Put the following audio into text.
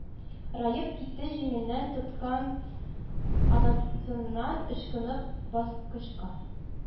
Раеп китте, җиңеннән тоткан анасыннан ычкынып, баскычка